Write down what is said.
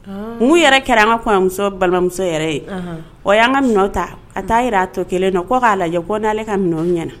Aan; Mun yɛrɛ kɛra an ka kɔɲɔmuso balimamuso yɛrɛ ye; Anhan;,o y'an ka minɛ ta ka taa jira a tɔ kelen na k'o k'a lajɛ ko n'ale ka minɛw ɲɛna.